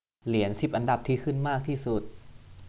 เหรียญสิบอันดับที่ขึ้นมากที่สุด